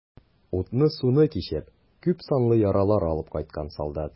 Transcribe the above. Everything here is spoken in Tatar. Утны-суны кичеп, күпсанлы яралар алып кайткан солдат.